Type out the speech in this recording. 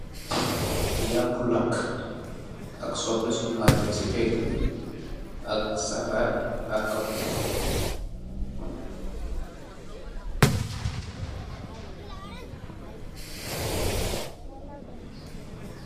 Yaapu nak ,ak sobleh sunye marineh si pegh bi, ak salaad, ak kakumba.